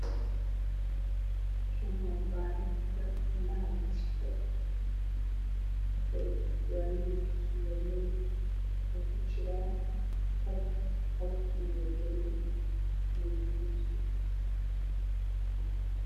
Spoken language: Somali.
Kani waa baararka indhaha la gashto midabkiisu waa madow waxa uu ku jiraa qolof ,qolofkuna waa giriin midabkiisu